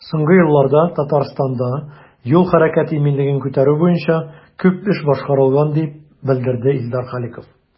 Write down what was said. Соңгы елларда Татарстанда юл хәрәкәте иминлеген күтәрү буенча күп эш башкарылган, дип белдерде Илдар Халиков.